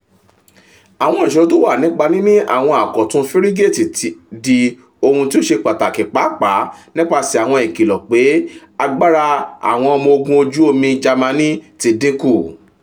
Àwọn ìṣòro tó wà nípa níní àwọn àkọ̀tun fírígèètì ti di ohun tí ó ṣè pàtàkì pàápàá nípaṣẹ̀ àwọn ìkìlọ̀ pé àgbára àwọn ọmọ ogún ojú omi Jámánì tí dín kù.